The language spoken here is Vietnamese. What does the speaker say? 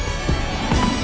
ạ